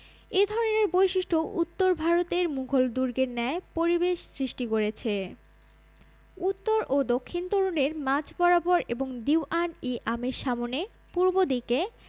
এ ধরনের বৈশিষ্ট্য উত্তর ভারতের মুগল দুর্গের ন্যায় পরিবেশ সৃষ্টি করেছে উত্তর ও দক্ষিণ তোরণের মাঝ বরাবর এবং দীউয়ান ই আমের সামনে পূর্ব দিকে